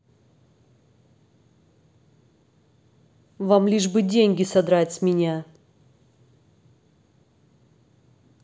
вам лишь бы деньги содрать с меня